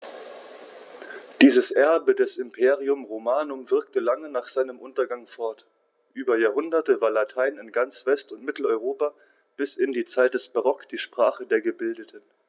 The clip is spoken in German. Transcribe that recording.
Dieses Erbe des Imperium Romanum wirkte lange nach seinem Untergang fort: Über Jahrhunderte war Latein in ganz West- und Mitteleuropa bis in die Zeit des Barock die Sprache der Gebildeten.